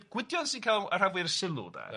G- Gwydion sy'n cael y rhan fwyaf o'r sylw, 'de? Reit.